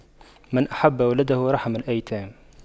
من أحب ولده رحم الأيتام